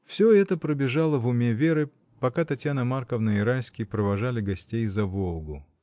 Всё это пробежало в уме Веры, пока Татьяна Марковна и Райский провожали гостей за Волгу.